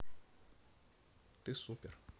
ты супер